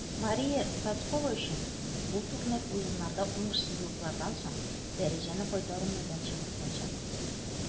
Мария Сотскова өчен бу турнир Уеннарда уңышсызлыклардан соң дәрәҗәне кайтару мәйданчыгы булачак.